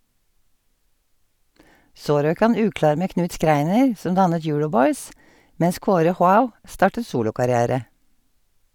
Så røk han uklar med Knut Schreiner, som dannet Euroboys, mens Kåre Joao startet solokarriere.